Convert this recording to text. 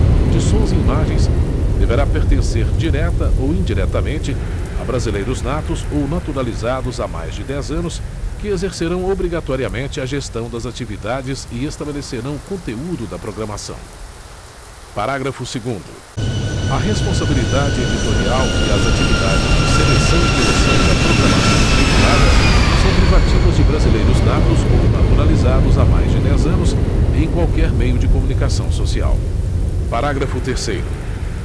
e de sons e imagens deverá pertencer direta ou indiretamente a brasileiros natos ou naturalizados há mais de dez anos que exercerão obrigatoriamente a gestão das atividades e estabelecerão o conteúdo da programação parágrafo segundo a responsabilidade editorial e as atividades de seleção e direção da programação veiculada são privativas de brasileiros natos ou naturalizados há mais de dez anos em qualquer meio de comunicação social parágrafo terceiro